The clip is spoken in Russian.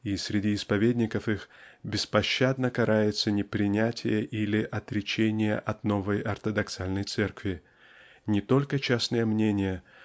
и среди исповедников их беспощадно карается не-принятие или отречение от новой ортодоксальной церк-ви. Не только частные мнения